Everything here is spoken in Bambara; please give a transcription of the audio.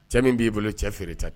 Cɛ min b'i bolo cɛ feere ta tɛ